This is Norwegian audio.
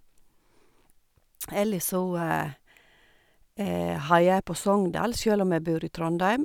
Ellers så heier jeg på Sogndal, sjøl om jeg bor i Trondheim.